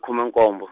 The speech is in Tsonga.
khume khume nkombo.